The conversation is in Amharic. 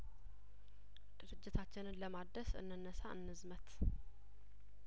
ድርጅታችንን ለማደስ እንነሳ እንዝመት